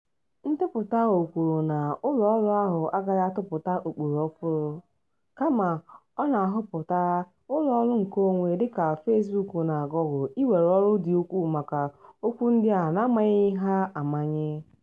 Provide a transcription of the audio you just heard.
Ndepụta ahụ kwuru na Ụlọọrụ ahụ agaghị atụpụta ụkpụrụ ọhụrụ, kama ọ na-ahụpụta ụlọọrụ nkeonwe dịka Facebook na Google iwere ọrụ dị ukwuu maka okwu ndị a n'amanyeghị ha amanye.